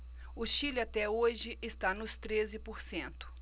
o chile até hoje está nos treze por cento